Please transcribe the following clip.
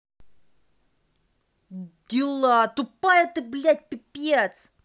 дела тупая ты блядь пипец